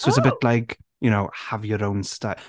So it's a bit like, you know, have your own sty-